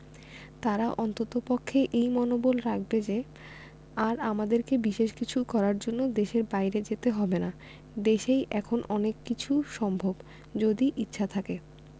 তারা অন্ততপক্ষে এই মনোবল রাখবে যে আর আমাদেরকে বিশেষ কিছু করার জন্য দেশের বাইরে যেতে হবে না দেশেই এখন অনেক কিছু সম্ভব যদি ইচ্ছা থাকে